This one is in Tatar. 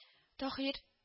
— таһир